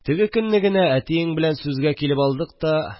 Теге көнне генә әтиең белән сүзгә килеп алдык та